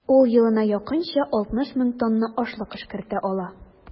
Ул елына якынча 60 мең тонна ашлык эшкәртә ала.